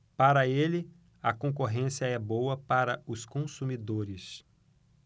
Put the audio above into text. para ele a concorrência é boa para os consumidores